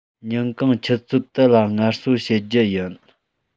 ཉིན གུང ཆུ ཚོད དུ ལ ངལ གསོ བྱེད རྒྱུ ཡིན